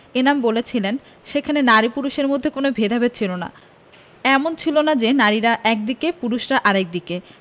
এনাম বলছিলেন সেখানে নারী পুরুষের মধ্যে কোনো ভেদাভেদ ছিল না এমন ছিল না যে নারীরা একদিকে পুরুষেরা আরেক দিকে